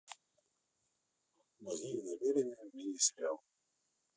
благие намерения мини сериал